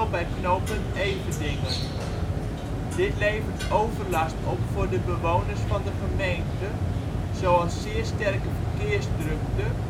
bij knooppunt Everdingen. Dit levert overlast op voor de bewoners van de gemeente, zoals zeer sterke verkeersdrukte